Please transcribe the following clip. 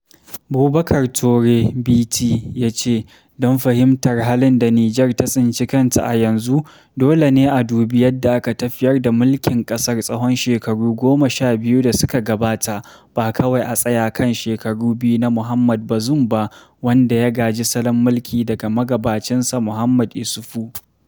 Boubacar Touré (BT): Don fahimtar halin da Niger ta tsinci kanta a yanzu, dole ne a dubi yadda aka tafiyar da mulkin ƙasar tsawon shekaru 12 da suka gabata, ba kawai a tsaya kan shekaru biyu na Mohamed Bazoum ba, wanda ya gaji salon mulki daga magabacinsa Mahamadou Issoufou.